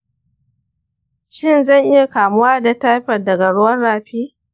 shin zan iya kamuwa da taifoid daga ruwan rafi?